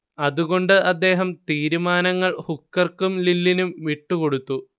അതുകൊണ്ട് അദ്ദേഹം തീരുമാനങ്ങൾ ഹുക്കർക്കും ലില്ലിനും വിട്ടുകൊടുത്തു